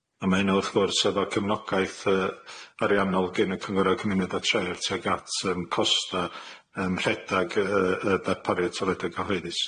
A ma' hynna wrth gwrs hefo cefnogaeth yy ariannol gin y Cynghora Cymuneda' Tref tuag at yym costa' yym rhedag yy yy y ddarpariaeth toileda cyhoeddus.